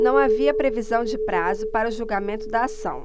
não há previsão de prazo para o julgamento da ação